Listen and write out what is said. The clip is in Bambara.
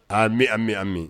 Aa bɛ an mɛn an min